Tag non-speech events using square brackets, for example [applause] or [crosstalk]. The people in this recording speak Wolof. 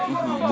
[crosstalk] [hesitation] [hesitation]